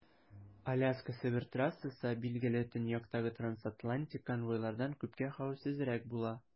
Аляска - Себер трассасы, билгеле, төньяктагы трансатлантик конвойлардан күпкә хәвефсезрәк була.